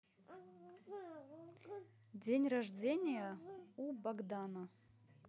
день рождения у богдана